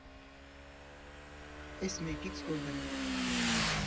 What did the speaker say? Էս մեկից գոհ եմ։